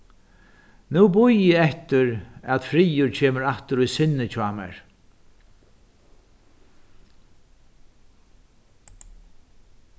nú bíði eg eftir at friður kemur aftur í sinnið hjá mær